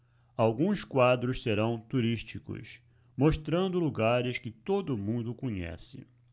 alguns quadros serão turísticos mostrando lugares que todo mundo conhece